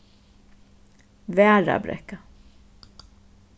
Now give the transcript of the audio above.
varðabrekka